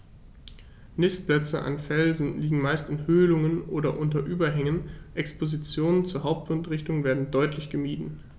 Nistplätze an Felsen liegen meist in Höhlungen oder unter Überhängen, Expositionen zur Hauptwindrichtung werden deutlich gemieden.